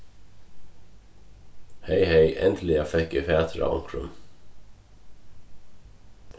hey hey endiliga fekk eg fatur á onkrum